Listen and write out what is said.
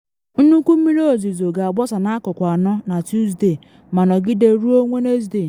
Nnukwu mmiri ozizo ga-agbasa na Akụkụ Anọ na Tusde ma nọgide ruo Wenesde.